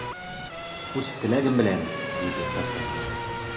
Үз теләгем белән! - диде д’Артаньян.